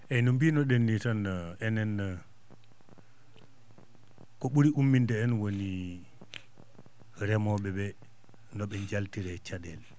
eeyi no mbinoɗen nii tan enen ko ɓuri umminde en woni remooɓe ɓee no ɓe njaltiri e caɗeele